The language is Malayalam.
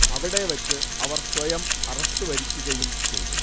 അവിടെ വച്ച് അവർ സ്വയം അറസ്റ്റ് വരിക്കുകയും ചെയ്തു